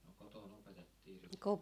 no kotona opetettiin sitten